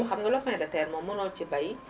xam nga lopin de moom mënoo ci bay